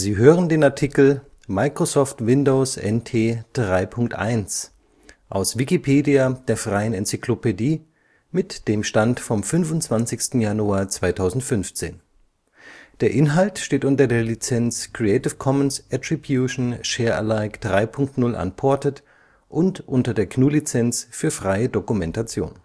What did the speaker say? hören den Artikel Microsoft Windows NT 3.1, aus Wikipedia, der freien Enzyklopädie. Mit dem Stand vom Der Inhalt steht unter der Lizenz Creative Commons Attribution Share Alike 3 Punkt 0 Unported und unter der GNU Lizenz für freie Dokumentation